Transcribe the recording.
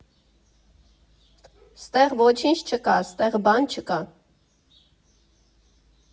Ստեղ ոչինչ չկա, ստեղ բան չկա։